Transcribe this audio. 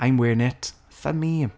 I'm wearing it, for me.